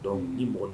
Dɔn ni mɔgɔ